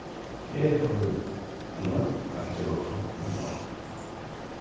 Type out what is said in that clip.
eg havi gloymt at geva plantunum vatn